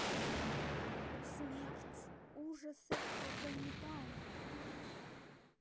смотреть ужасы про ганнибалов